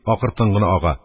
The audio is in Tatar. Акыртын гына ага;